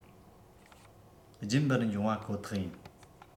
རྒྱུན པར འབྱུང བ ཁོ ཐག ཡིན